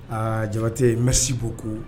Aa jate n bɛ sibo ko